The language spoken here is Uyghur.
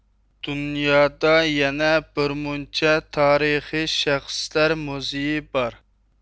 دۇنيادا يەنە بىرمۇنچە تارىخىي شەخسلەر مۇزېيى بار